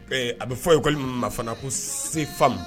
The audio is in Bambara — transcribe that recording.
A bɛ fɔ ye walima maa fana ko sefamu